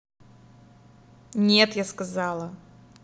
нет я сказала